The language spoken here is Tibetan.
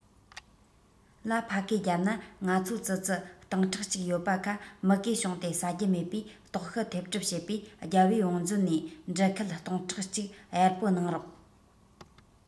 ལ ཕ གིའི རྒྱབ ན ང ཚོ ཙི ཙི སྟིང ཕྲག གཅིག ཡོད པ ག མུ གེ བྱུང སྟེ ཟ རྒྱུ མེད བས ལྟོགས ཤི ཐེབས གྲབས བྱེད པས རྒྱལ པོའི བང མཛོད ནས འབྲུ ཁལ སྟོང ཕྲག གཅིག གཡར པོ གནང རོགས